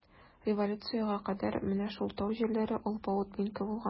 Революциягә кадәр менә шул тау җирләре алпавыт милке булган.